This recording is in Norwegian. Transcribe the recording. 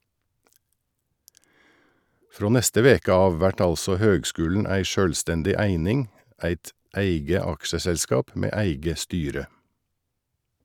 Frå neste veke av vert altså høgskulen ei sjølvstendig eining , eit eige aksjeselskap med eige styre.